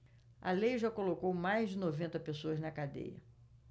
a lei já colocou mais de noventa pessoas na cadeia